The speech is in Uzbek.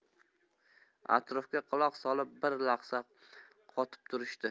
atrofga quloq solib bir lahza qotib turishdi